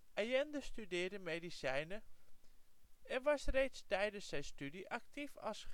* 1942). Allende studeerde medicijnen en was reeds tijdens zijn studie actief als